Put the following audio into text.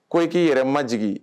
Ko i k'i yɛrɛ majigin